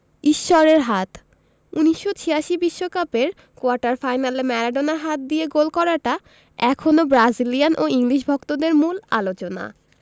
ঈশ্বরের হাত ১৯৮৬ বিশ্বকাপের কোয়ার্টার ফাইনালে ম্যারাডোনার হাত দিয়ে গোল করাটা এখনো ব্রাজিলিয়ান ও ইংলিশ ভক্তদের মূল আলোচনা